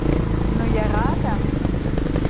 ну я рада